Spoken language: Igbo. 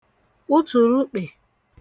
utùrukpè